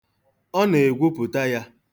Ọ na-egwupụta ya.